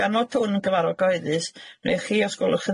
Gan fod hwn yn gyfarfod gyhoeddus wnewch chi os gwelwch